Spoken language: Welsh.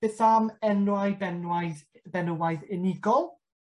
Beth am enwau benwaidd u- benywaidd unigol?